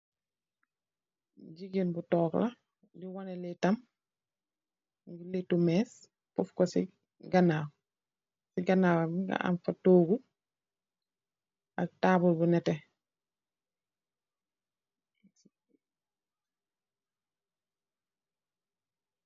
Jigéen bu toog la, di wane lëëtam. Mu ngi lëëtu méés pëf ko si ganaaw. Si ganaaw, mu ngi am toogu ak taabul bu nééte.